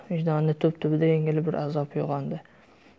vijdonining tub tubida yengil bir azob uyg'ondi